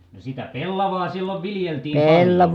no sitä pellavaa silloin viljeltiin paljon